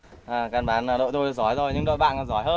à căn bản là đội tôi giỏi rồi nhưng đội bạn còn giỏi hơn